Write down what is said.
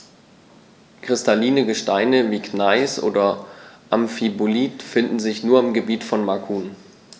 Kristalline Gesteine wie Gneis oder Amphibolit finden sich nur im Gebiet von Macun.